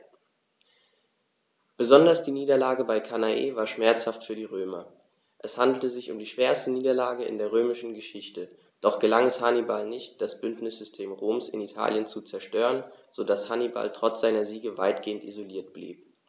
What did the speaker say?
Besonders die Niederlage bei Cannae war schmerzhaft für die Römer: Es handelte sich um die schwerste Niederlage in der römischen Geschichte, doch gelang es Hannibal nicht, das Bündnissystem Roms in Italien zu zerstören, sodass Hannibal trotz seiner Siege weitgehend isoliert blieb.